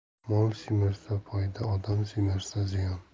mol semirsa foyda odam semirsa ziyon